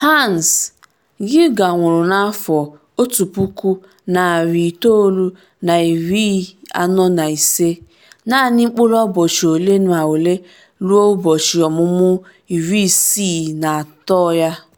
“Hans” Geiger nwụrụ n’afọ 1945, naanị mkpụrụ ụbọchị ole ma ole ruo ụbọchị ọmụmụ 63 ya.